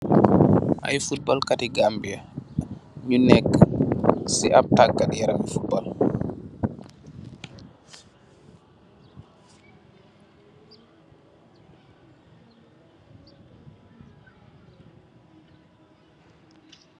Ay futbal kati Gambia, ñiu neekë si, ab taagati yarami futbal.